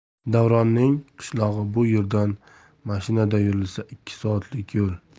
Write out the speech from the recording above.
davronning qishlog'i bu yerdan mashinada yurilsa ikki soatlik yo'l